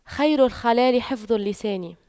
خير الخلال حفظ اللسان